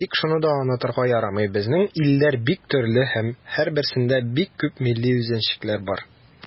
Тик шуны да онытырга ярамый, безнең илләр бик төрле һәм һәрберсендә бик күп милли үзенчәлекләр бар.